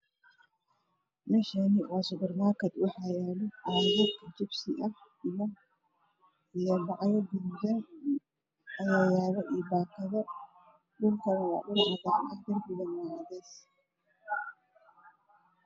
Meeshaan waa suburmarkat waxaa yaalo caagad jabsi ah iyo baco gaduudan iyo baakado. Dhulkana waa cadaan darbiguna Waa cadeys.